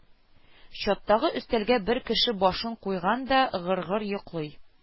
Чаттагы өстәлгә бер кеше башын куйган да гыр-гыр йоклый